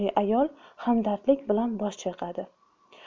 ro'molli ayol hamdardlik bilan bosh chayqadi